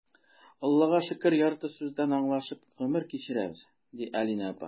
Аллаһыга шөкер, ярты сүздән аңлашып гомер кичерәбез,— ди Алинә апа.